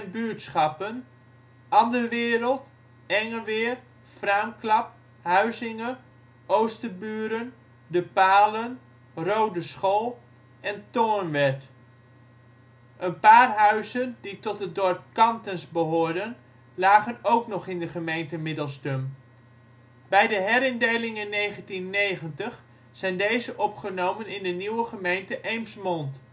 buurtschappen: Anderwereld, Engeweer, Fraamklap, Huizinge, Oosterburen, De Palen, Rodeschool en Toornwerd. Een paar huizen die tot het dorp Kantens behoorden, lagen ook nog in de gemeente Middelstum. Bij de herindeling in 1990 zijn deze opgenomen in de nieuwe gemeente Eemsmond